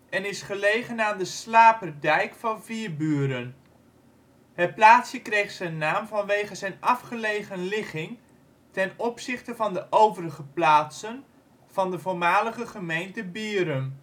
en is gelegen aan de slaperdijk van Vierburen. Het plaatsje kreeg zijn naam vanwege zijn afgelegen ligging ten opzichte van de overige plaatsen van de (voormalige) gemeente Bierum